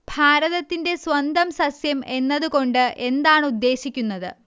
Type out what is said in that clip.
ഭാരതത്തിന്റെ സ്വന്തം സസ്യം എന്നതു കൊണ്ട് എന്താണ് ഉദ്ദേശിക്കുന്നത്